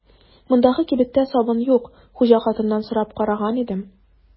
Мондагы кибеттә сабын юк, хуҗа хатыннан сорап караган идем.